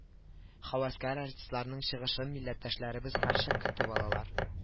Һәвәскәр артистларның чыгышын милләттәшләребез һәрчак көтеп алалар